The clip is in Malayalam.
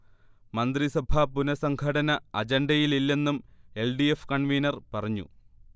മന്ത്രിസഭ പുനഃസംഘടന അജണ്ടയിലില്ലെന്നും എൽ. ഡി. എഫ്. കൺവീനർ പറഞ്ഞു